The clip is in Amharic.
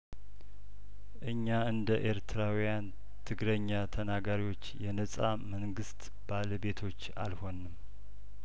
እኛ እንደ ኤርትራዊያን ትግረኛ ተናጋሪዎች የነጻ መንግስት ባለቤቶች አልሆንም